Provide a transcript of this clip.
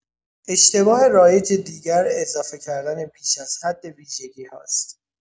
اشتباه رایج دیگر، اضافه کردن بیش از حد ویژگی‌هاست.